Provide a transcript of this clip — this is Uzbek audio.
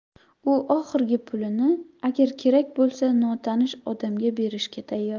u oxirgi pulini agar kerak bo'lsa notanish odamga berishga tayyor